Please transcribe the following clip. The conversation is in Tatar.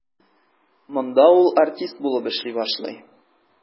Монда ул артист булып эшли башлый.